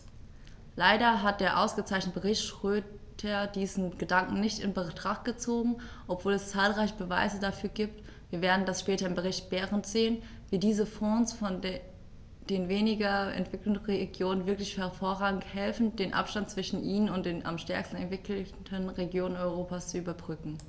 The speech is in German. Leider hat der ausgezeichnete Bericht Schroedter diesen Gedanken nicht in Betracht gezogen, obwohl es zahlreiche Beweise dafür gibt - wir werden das später im Bericht Berend sehen -, wie diese Fonds den weniger entwickelten Regionen wirklich hervorragend helfen, den Abstand zwischen ihnen und den am stärksten entwickelten Regionen Europas zu überbrücken.